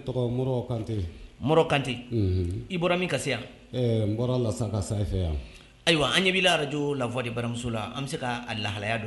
Tɛ i bɔra min kasi yan n bɔrasa yan ayiwa an ɲɛ b' arajo lafɔ de baramuso la an bɛ se k'a lahaya don